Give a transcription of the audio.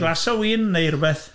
Glass o win neu rywbeth?